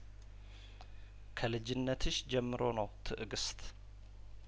ከልጅነትሽ ጀምሮ ነው ትእግስት